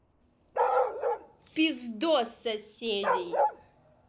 пиздос соседей